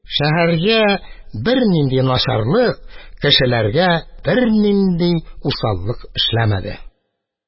Шәһәргә бернинди начарлык, кешеләргә бернинди усаллык эшләмәде.